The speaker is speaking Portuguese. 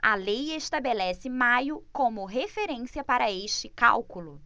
a lei estabelece maio como referência para este cálculo